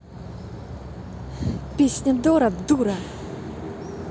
песня дора дура